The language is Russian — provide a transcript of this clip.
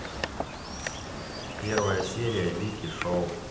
первая серия вики шоу